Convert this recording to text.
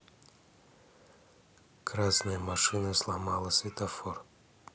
красная машина сломала светофор